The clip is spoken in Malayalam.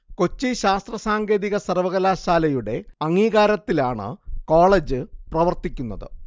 കൊച്ചി ശാസ്ത്ര സാങ്കേതിക സർവ്വകലാശാലയുടെ അംഗീകാരത്തിലാണു കോളേജു പ്രവർത്തിക്കുന്നത്